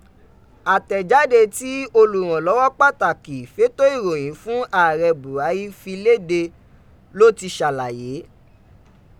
Atẹjade ti oluranlọwọ pataki feto iroyin fun aarẹ Buhari fi lede lo ti salaye.